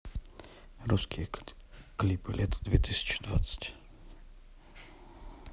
русские клипы лето две тысячи двадцать